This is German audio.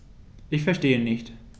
Ich verstehe nicht.